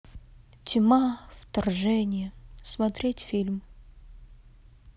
тьма вторжение смотреть фильм